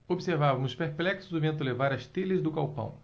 observávamos perplexos o vento levar as telhas do galpão